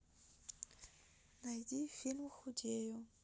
найди фильм худею